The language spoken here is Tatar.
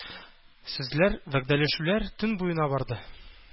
Сүзләр, вәгъдәләшүләр төн буена барды.